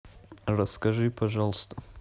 расскажи пожалуйста